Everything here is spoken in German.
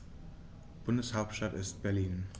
Bundeshauptstadt ist Berlin.